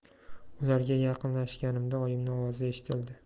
ularga yaqinlashganimda oyimni ovozi eshitildi